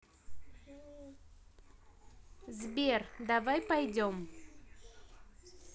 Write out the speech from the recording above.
сбер давай пойдем